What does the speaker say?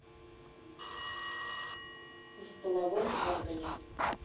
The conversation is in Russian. в половом органе